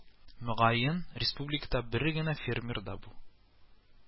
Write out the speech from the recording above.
Мөгаен, республикада бер генә фермер да бу